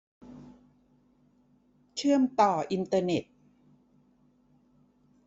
เชื่อมต่ออินเตอร์เน็ต